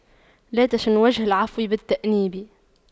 لا تشن وجه العفو بالتأنيب